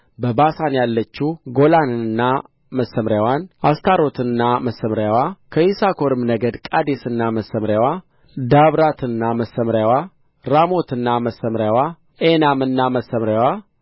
በባሳን ያለችው ጎላንና መሰምርያዋ አስታሮትና መሰምርያዋ ከይሳኮርም ነገድ ቃዴስና መሰምርያዋ ዳብራትና መሰምርያዋ ራሞትና መሰምርያዋ ዓኔምና መሰምርያዋ